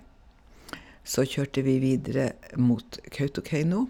Så kjørte vi videre mot Kautokeino.